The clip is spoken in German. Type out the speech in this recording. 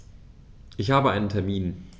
Ich habe einen Termin.